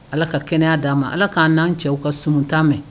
Ala ka kɛnɛya' d'a ma ala k' n'an cɛw ka suntan mɛn